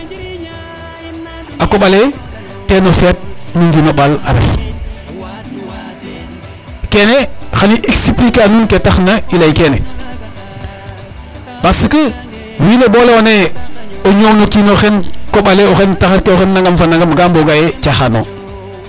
A koƥ ale ten o feet no ngiin o ɓaal a ref kene xan i expliquer a nuun ke taxna i lay kene parce que wiin we bo layoona yee o ñoow no kiin oxe koƥ ale oxey taxar ke oxey nangam fo nangam ga mbooga yee caaxaan o.